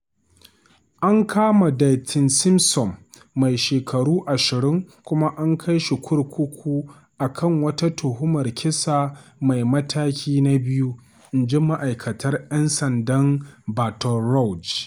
An kama Dyteon Simpson, mai shekaru 20 kuma an kai shi kurkuku a kan wata tuhumar kisa mai mataki na biyu, inji Ma’aikatar ‘Yan Sandan Baton Rouge.